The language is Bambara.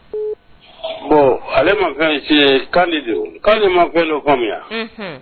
Bon ale ma fɛn signé Kani don, Kani ma fɛn dɔ faamuya, unhun